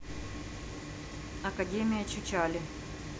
академия чучали